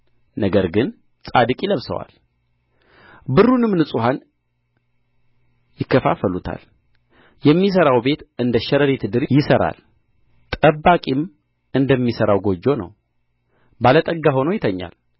ነገር ግን ጻድቅ ይለብሰዋል ብሩንም ንጹሐን ይከፋፈሉታል የሚሠራው ቤት እንደ ሸረሪት ድር ይሠራል ጠባቂም እንደሚሠራው ጎጆ ነው ባለጠጋ ሆኖ ይተኛል